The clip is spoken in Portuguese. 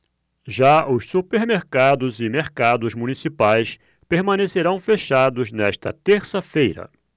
já os supermercados e mercados municipais permanecerão fechados nesta terça-feira